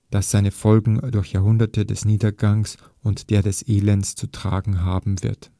das seine Folgen durch Jahrhunderte des Niedergangs und der des Elends zu tragen haben wird